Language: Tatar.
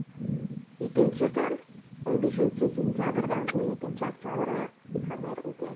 Икенче тур 15 сентябрьдән 12 октябрьгә кадәр үтә.